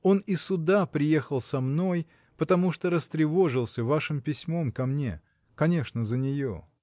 Он и сюда приехал со мной, потому что растревожился вашим письмом ко мне. конечно, за нее.